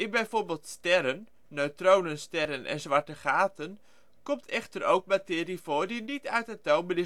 bijvoorbeeld sterren, neutronensterren en zwarte gaten komt echter ook materie voor die niet uit atomen